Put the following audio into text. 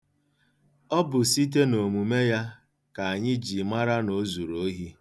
Ọ bụ site n'omume ya ka anyị ji mara na o zuru ohi.